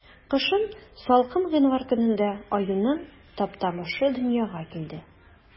Кышын, салкын гыйнвар көнендә, аюның Таптамышы дөньяга килде.